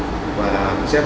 sẽ